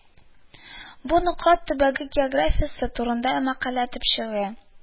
Бу Нократ төбәге географиясе турында мәкалә төпчеге